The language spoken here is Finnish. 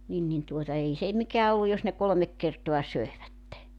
niin niin tuota ei se mikään ollut jos ne kolme kertaa söivät